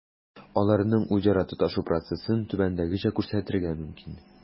Аларның үзара тоташу процессын түбәндәгечә күрсәтергә мөмкин: